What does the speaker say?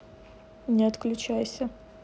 не отключайся